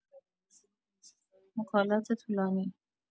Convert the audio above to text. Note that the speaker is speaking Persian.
مکالمات طولانی